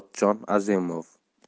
raisi murotjon azimov